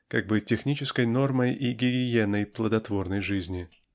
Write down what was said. как бы технической нормой и гигиеной плодотворной жизни.